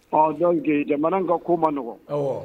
Ɔ dɔn gese jamana ka ko maɔgɔn